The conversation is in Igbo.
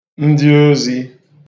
ndịozī